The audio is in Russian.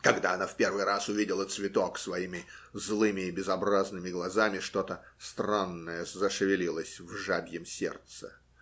Когда она в первый раз увидела цветок своими злыми и безобразными глазами, что-то странное зашевелилось в жабьем сердце.